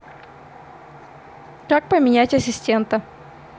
как поменять ассистента